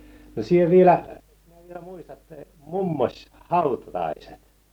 no sinä vielä muistat ne mummosi hautajaiset